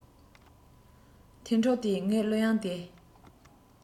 ཐན ཕྲུག དེས ངའི གླུ དབྱངས དེ